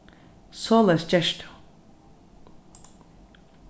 soleiðis gert tú